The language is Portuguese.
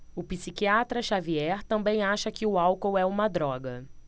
o psiquiatra dartiu xavier também acha que o álcool é uma droga